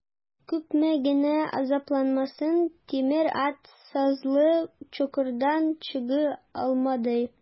Күпме генә азапланмасын, тимер ат сазлы чокырдан чыга алмады.